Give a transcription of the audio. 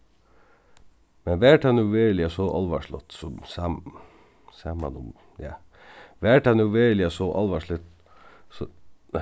men var tað nú veruliga so álvarsligt sum samanum ja var tað nú veruliga so álvarsligt